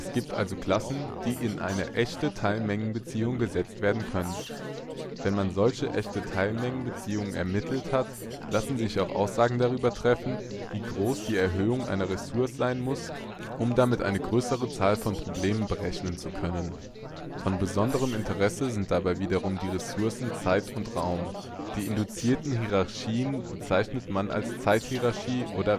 gibt also Klassen, die in eine echte Teilmengenbeziehung gesetzt werden können. Wenn man solche echten Teilmengenbeziehungen ermittelt hat, lassen sich auch Aussagen darüber treffen, wie groß die Erhöhung einer Ressource sein muss, um damit eine größere Zahl von Problemen berechnen zu können. Von besonderem Interesse sind dabei wiederum die Ressourcen Zeit und Raum. Die induzierten Hierarchien bezeichnet man auch als Zeithierarchie und Raumhierarchie